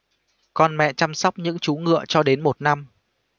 con mẹ chăm sóc những chú ngựa cho đến một năm